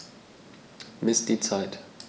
Miss die Zeit.